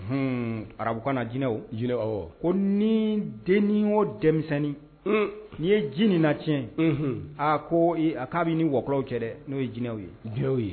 H arabu ka na jinɛinɛ j ko ni den o denmisɛnnin n'i ye ji nin na tiɲɛ a ko a k'a bɛ ni wakɔw cɛ dɛ n'o ye jinɛw ye jinɛw ye